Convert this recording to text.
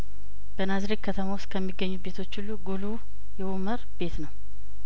በናዝሬት ከተማ ውስጥ ከሚገኙ ቤቶች ሁሉ ጉልሁ የኡመር ቤት ነው